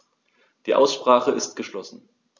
Die Aussprache ist geschlossen.